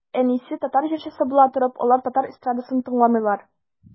Әнисе татар җырчысы була торып, алар татар эстрадасын тыңламыйлар.